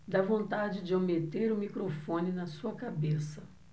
dá vontade de eu meter o microfone na sua cabeça